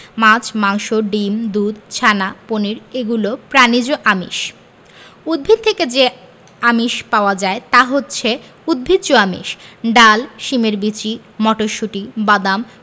মাছ মাংস ডিম দুধ ছানা পনির এগুলো প্রাণিজ আমিষ উদ্ভিদ থেকে যে আমিষ পাওয়া যায় তা উদ্ভিজ্জ আমিষ ডাল শিমের বিচি মটরশুঁটি বাদাম